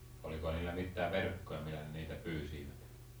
oliko niillä mitään verkkoja millä ne niitä pyysivät